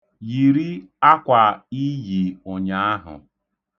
Yiri akwa i yi ụnyaahụ.